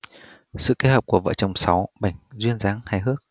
sự kết hợp của vợ chồng sáu bảnh duyên dáng hài hước